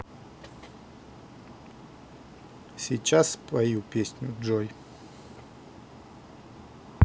сейчас спою песню джой